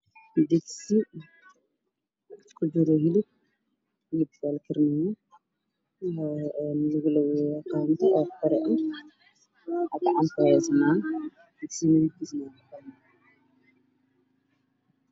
Meshaan waxaa yaalo labo biib oo caano booro ah mid weyn iyo mid yar